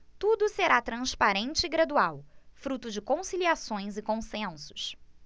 tudo será transparente e gradual fruto de conciliações e consensos